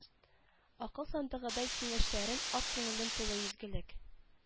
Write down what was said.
Акыл сандыгыдай киңәшләрең ак күңелең тулы изгелек